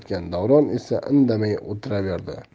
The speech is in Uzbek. qotgan davron esa indamay o'tiraverdi